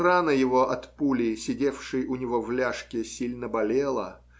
рана его от пули, сидевшей у него в ляжке, сильно болела